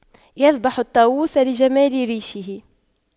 يذبح الطاووس لجمال ريشه